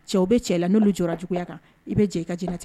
Cɛw bɛ cɛ la n'olu jɔ la juguya kan i bɛ jɛn i ka dinɛlatigɛ